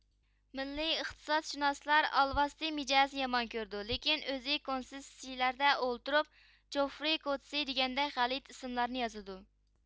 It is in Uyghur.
مىللىي ئىتىقادشۇناسلار ئالۋاستى مىجەزنى يامان كۆرىدۇ لېكىن ئۆزلىرى كونسېسسىيىلەردە ئولتۇرۇپ جوفرى كوچىسى دېگەندەك غەلىتە ئىسىملارنى يازىدۇ